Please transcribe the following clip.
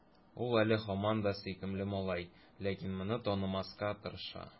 Ул әле һаман да сөйкемле малай, ләкин моны танымаска тырыша.